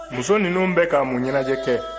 muso ninnu bɛ ka mun ɲɛnajɛ kɛ